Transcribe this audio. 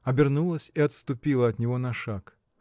обернулась и отступила от него на шаг.